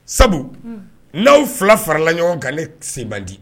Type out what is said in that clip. Sabu n'aw fila farala ɲɔgɔn kan ne sen man di